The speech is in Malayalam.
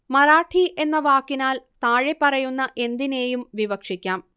മറാഠി എന്ന വാക്കിനാൽ താഴെപ്പറയുന്ന എന്തിനേയും വിവക്ഷിക്കാം